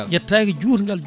yettaki judagl jud